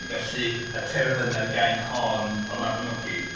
Felly y terfyn â'r gainc hon o'r Mabinogi.